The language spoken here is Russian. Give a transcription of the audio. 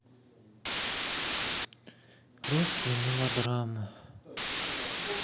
русские мелодраммы